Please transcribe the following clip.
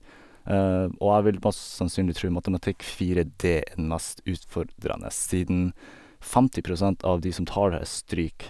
Og jeg vil mest sannsynlig tro Matematikk 4D er den mest utfordrende, siden femti prosent av de som tar det, stryker.